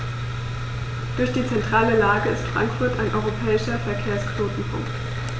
Durch die zentrale Lage ist Frankfurt ein europäischer Verkehrsknotenpunkt.